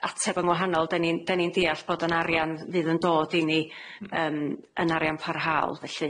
ateb yn wahanol, 'den ni- 'den ni'n deall bod yn arian fydd yn dod i ni yym yn arian parhaol, felly.